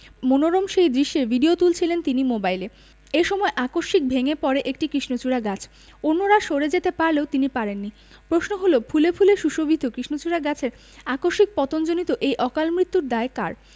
মনোরম সেই দৃশ্যের ভিডিও তুলছিলেন তিনি মোবাইলে এ সময় আকস্মিক ভেঙ্গে পড়ে একটি কৃষ্ণচূড়া গাছ অন্যরা সরে যেতে পারলেও তিনি পারেননি প্রশ্ন হলো ফুলে ফুলে সুশোভিত কৃষ্ণচূড়া গাছের আকস্মিক পতনজনিত এই অকালমৃত্যুর দায় কার